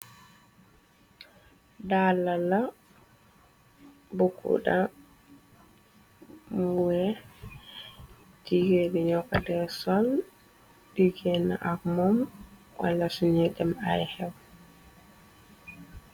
Daala la, bu gudda, mu weex, jigeen yi nyo kode sol, diggéena ak moom, wala sunyuy dem ay xew.